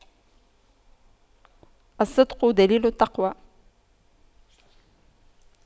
الصدق دليل التقوى